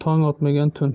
tong otmagan tun